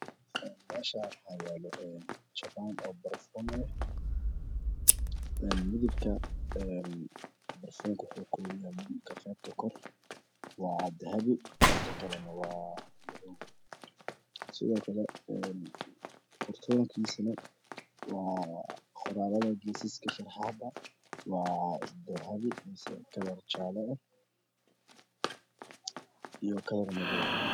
Meeshan waxa yalo japaan oo parfuun ah midapka parfuunka waxa uu kakoopan yahy qeebta kore dahapi qeebta kalane waa kartoonkiisata waa qoralada geesaha sharaaxd ah waa dahapi ama jaala ah iyo kalar madow ah